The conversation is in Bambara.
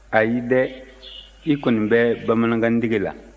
ayi dɛ i kɔni bɛ bamanankandege la